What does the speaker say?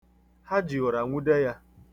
Ha ji ụra nwude ya.